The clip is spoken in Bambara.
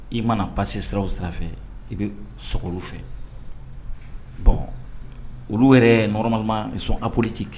I mana pasi siraw sira fɛ i bɛ sogoka fɛ bɔn olu yɛrɛɔrɔma sɔn apoli de' kɛ